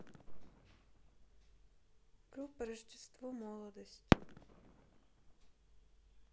группа рождество молодость